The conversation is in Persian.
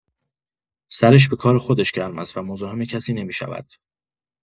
سرش به کار خودش گرم است و مزاحم کسی نمی‌شود.